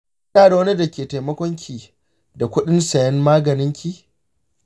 kina da wani dake taimakonki da kuɗin siyan maganinki?